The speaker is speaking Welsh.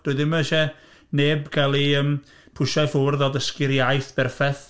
Dwi ddim isie neb gael ei yym pwsio i ffwrdd o ddysgu'r iaith berffaith...